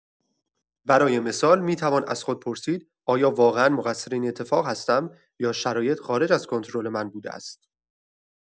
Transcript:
برای مثال، می‌توان از خود پرسید: «آیا واقعا مقصر این اتفاق هستم، یا شرایط خارج از کنترل من بوده است؟»